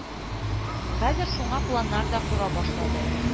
Хәзер шуңа планнар да кора башлады